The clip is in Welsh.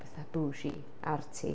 Pethau bougie, arty.